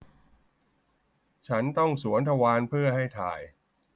ฉันต้องสวนทวารเพื่อให้ถ่าย